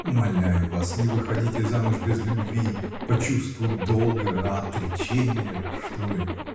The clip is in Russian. Умоляю вас, не выходите замуж без любви, по чувству долга, отреченья, что ли.